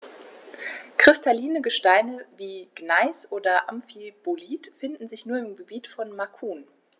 Kristalline Gesteine wie Gneis oder Amphibolit finden sich nur im Gebiet von Macun.